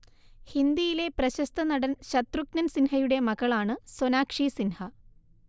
ഹിന്ദിയിലെ പ്രശസ്ത നടൻ ശത്രുഘ്നൻ സിൻഹയുടെ മകളാണ് സൊനാക്ഷി സിൻഹ